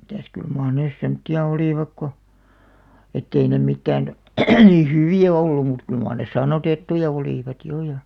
mitäs kyllä mar ne semmoisia olivat kun että ei ne mitään niin hyviä ollut mutta kyllä mar ne sannoitettuja olivat jo ja